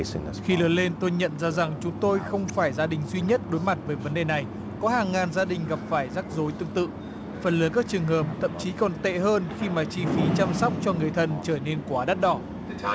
khi lớn lên tôi nhận ra rằng chúng tôi không phải gia đình duy nhất đối mặt với vấn đề này có hàng ngàn gia đình gặp phải rắc rối tương tự phần lớn các trường hợp thậm chí còn tệ hơn khi mà chi phí chăm sóc cho người thân trở nên quá đắt đỏ